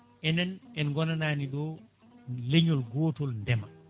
enen en gonanani ɗo leñol gotol ndeema